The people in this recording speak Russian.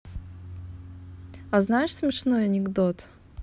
а знаешь смешной анекдот